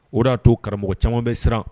O y'a to karamɔgɔ caman bɛ siran